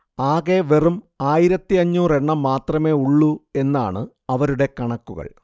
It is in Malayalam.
ആകെ വെറും ആയിരത്തിയഞ്ഞൂറ് എണ്ണം മാത്രമേ ഉള്ളൂ എന്നാണ് അവരുടെ കണക്കുകൾ